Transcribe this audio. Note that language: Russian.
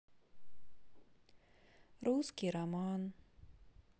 русский роман